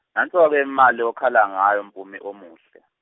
nanso ke imali okhala ngayo Mpumi omuhle.